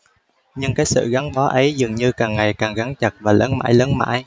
nhưng cái sự gắn bó ấy dường như càng ngày càng gắn chặt và lớn mãi lớn mãi